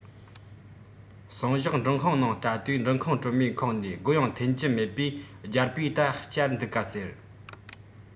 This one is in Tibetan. སང ཞོགས འབྲུ ཁང ནང ལྟ དུས འབྲུ ཁང གྲོ མས ཁེངས ནས སྒོ ཡང འཐེབ ཀྱི མེད པས རྒྱལ པོས ད བསྐྱལ འདུག ག ཟེར